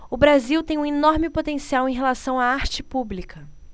o brasil tem um enorme potencial em relação à arte pública